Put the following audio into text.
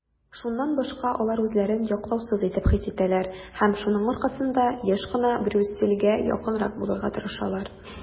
Шуннан башка алар үзләрен яклаусыз итеп хис итәләр һәм шуның аркасында еш кына Брюссельгә якынрак булырга тырышалар.